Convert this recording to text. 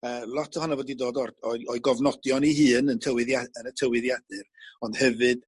yy lot ohono fo 'di dod o'r o o'i gofnodion 'i hun yn tywyddia- yn y tywyddiadur ond hefyd